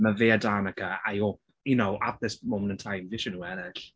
Ma' fe a Danica I hope... you know at this moment in time fi isie i nhw ennill.